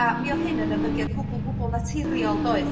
A mi odd hyn yn ymddygiad gwbwl gwbwl naturiol doedd?